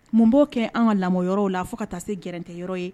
Mun b'o kɛ an ka lamɔ yɔrɔ la fo ka taa se gɛrɛte yɔrɔ ye